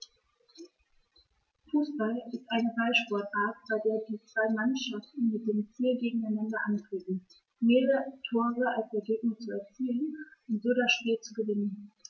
Fußball ist eine Ballsportart, bei der zwei Mannschaften mit dem Ziel gegeneinander antreten, mehr Tore als der Gegner zu erzielen und so das Spiel zu gewinnen.